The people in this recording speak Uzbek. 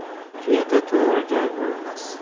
tuyada to'g'ri joy bo'lmas